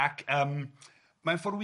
Ac yym mae'n ffordd wych,